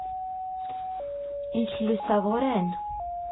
Ինչ լուսավոր են։